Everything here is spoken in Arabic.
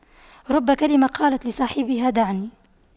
رب كلمة قالت لصاحبها دعني